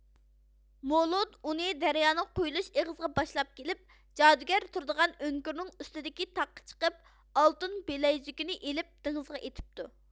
مولۇد ئۇنى دەريانىڭ قۇيۇلۇش ئېغىزىغا باشلاپ كېلىپ جادۇگەر تۇرىدىغان ئۆڭكۈرنىڭ ئۈستىدىكى تاغقا چىقىپ ئالتۇن بىلەيزۈكىنى ئېلىپ دېڭىزغا ئېتىپتۇ